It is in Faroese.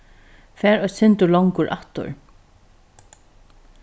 far eitt sindur longur aftur